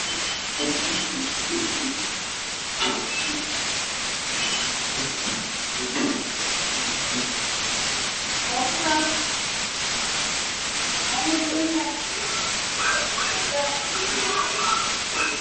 Waa caleemo meel suran darbi cadaan